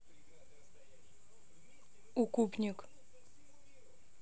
укупник